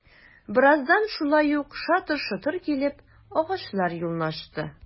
Бераздан шулай ук шатыр-шотыр килеп, агачлар юлны ачты...